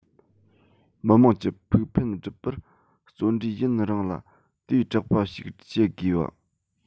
མི དམངས ཀྱི ཕུགས ཕན བསྒྲུབ པར བརྩོན འགྲུས ཡུན རིང ལ དོས དྲག པ ཞིག བྱེད དགོས པ